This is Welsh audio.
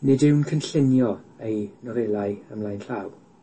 Nid yw'n cynllunio ei nofelau ymlaen llaw